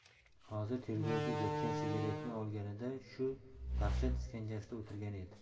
hozir tergovchi uzatgan sigaretni olganida shu dahshat iskanjasida o'tirgan edi